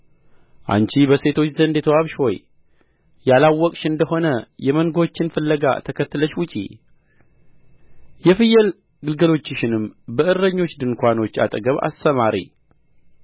አንቺ በሴቶች ዘንድ የተዋብሽ ሆይ ያላወቅሽ እንደ ሆነ የመንጎችን ፍለጋ ተከትለሽ ውጪ የፍየል ግልገሎችሽንም በእረኞች ድንኳኖች አጠገብ አሰማሪ